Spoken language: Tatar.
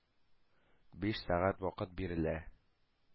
Биш сәгать вакыт бирелә,